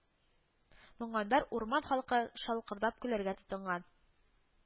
Моңгандар урман халкы шаркылдап көләргә тотынган